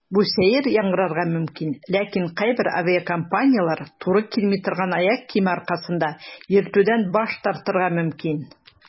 Бу сәер яңгырарга мөмкин, ләкин кайбер авиакомпанияләр туры килми торган аяк киеме аркасында йөртүдән баш тартырга мөмкин.